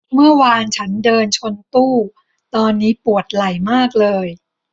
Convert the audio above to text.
เมื่อวานฉันเดินชนตู้ตอนนี้ปวดไหล่มากเลย